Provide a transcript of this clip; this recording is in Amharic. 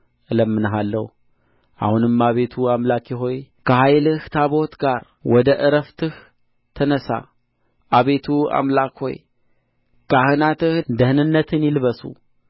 እለምንሃለሁ አሁንም አቤቱ አምላክ ሆይ ከኃይልህ ታቦት ጋር ወደ ዕረፍትህ ተነሣ አቤቱ አምላክ ሆይ ካህናትህ ደኅንነትን ይልበሱ